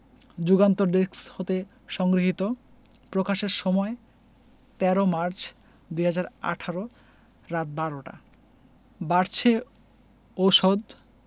Jugantor desk হতে সংগৃহীত প্রকাশের সময় ১৩ মার্চ ২০১৮ রাত ১২:০০ টা বাড়ছে ঔষধ